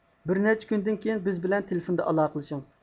بىر نەچچە كۈندىن كېيىن بىز بىلەن تېلېفوندا ئالاقىلىشىڭ